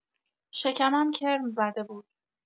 شکمم کرم زده بود!